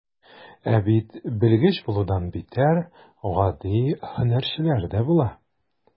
Ә бит белгеч булудан битәр, гади һөнәрчеләр дә була.